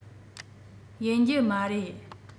ཡིན རྒྱུ མ རེད